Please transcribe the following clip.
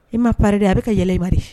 I ma pa de a bɛ ka yɛlɛlibali